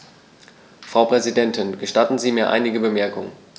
Frau Präsidentin, gestatten Sie mir einige Bemerkungen.